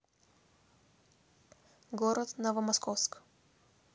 город новомосковск